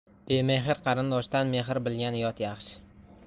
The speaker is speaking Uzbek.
bemehr qarindoshdan mehr bilgan yot yaxshi